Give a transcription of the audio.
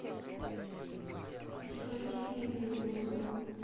восхождение белуха